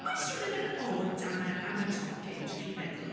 Oes rhywbeth yn od am y... am y tocyn, dach chi'n meddwl?